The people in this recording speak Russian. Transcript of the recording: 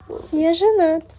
я женат